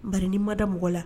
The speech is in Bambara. Bari n'i mada mɔgɔ la